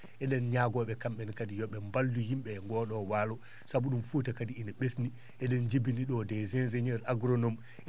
e?en ñaagoo?e kam?e ne kadi yo ?e mballu yim?e e ngoo ?oo waalo sabu ?um fuuta kadi ina ?esni e?en jibini ?oo des ingénieur agronome